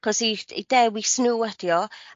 'c'os 'u 'u dewis n'w ydi o.